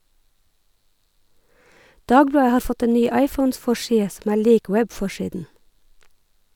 Dagbladet har fått ny iPhoneforside som er lik webforsiden.